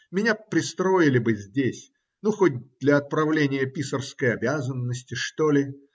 Меня "пристроили" бы здесь, ну, хоть для отправления писарской обязанности, что ли.